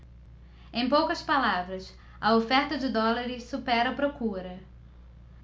em poucas palavras a oferta de dólares supera a procura